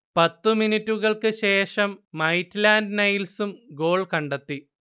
പത്ത് മിനുട്ടുകൾക്ക് ശേഷം മൈറ്റ്ന്‍ലാഡ് നൈൽസും ഗോൾ കണ്ടെത്തി